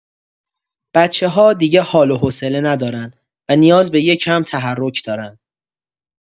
بچه‌ها دیگه حال و حوصله ندارن و نیاز به یه کم‌تحرک دارن.